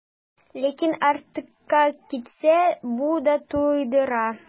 Ләкин артыкка китсә, бу да туйдыра.